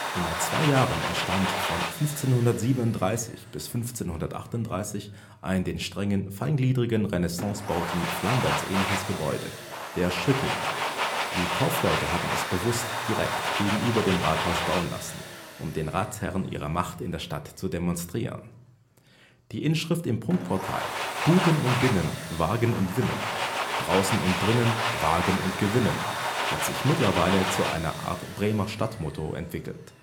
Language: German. In nur zwei Jahren entstand von 1537 bis 1538 ein den strengen, feingliedrigen Renaissance-Bauten Flanderns ähnliches Gebäude, der Schütting. Die Kaufleute hatten es bewusst direkt gegenüber dem Rathaus bauen lassen, um den Ratsherren ihre Macht in der Stadt zu demonstrieren. Die Inschrift im Prunkportal buten un binnen – wagen un winnen („ draußen und drinnen – wagen und gewinnen “) hat sich mittlerweile zu einer Art Bremer Stadtmotto entwickelt